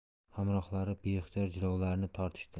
hamrohlari beixtiyor jilovlarini tortishdi